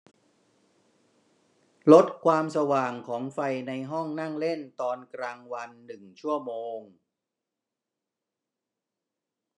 ลดความสว่างของไฟในห้องนั่งเล่นตอนกลางวันหนึ่งชั่วโมง